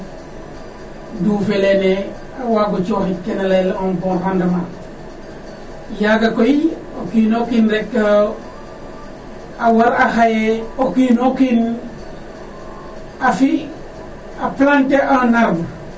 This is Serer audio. dufe lene a waago cooxit ten ke na layel un bon rendement .Yaga koy o kiin o kiin rek a waraa xaye o kino kiin a fi'aa planté un arbre.